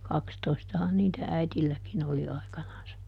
kaksitoistahan niitä äidilläkin oli aikanansa